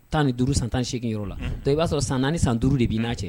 15 san 18 yɔrɔ la. Unhun. Donc i b'a sɔrɔ san4 san 5 de b'i n'a cɛ. Un.